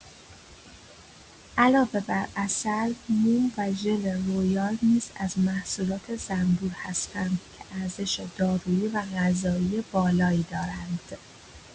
علاوه بر عسل، موم و ژل رویال نیز از محصولات زنبور هستند که ارزش دارویی و غذایی بالایی دارند.